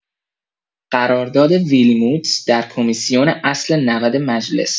قرارداد ویلموتس در کمیسیون اصل ۹۰ مجلس